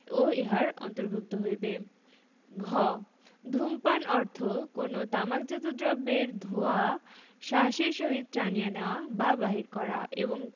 ও ইহার অন্তর্ভুক্ত হইবে ঘ ধূমপান অর্থ কোন তামাকজাত দ্রব্যের ধোঁয়া শ্বাসের সহিত টানিয়া নেওয়া বা বাহির করা এবং